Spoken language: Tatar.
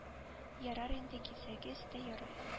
Ярар инде китсәгез дә ярый